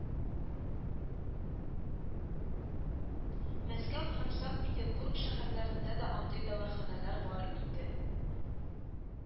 Мәскәү һәм Санкт-Петербург шәһәһрләрендә дә андый дәваханәләр бар инде